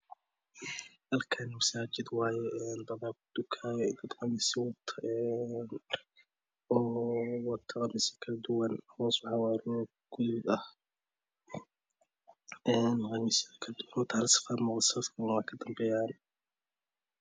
Halkaan masaajid waaye dad ku tukanaayo Dad qamiisyo oo wato. oo wato qamiisyo kale duwan. Hoos waxaa waaye rogrog gaduud ah. Een Qamiisyo kale duwan wataan hal saf waa hal saf wayka dambeeyaan.